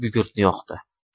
gugurtni yoqdi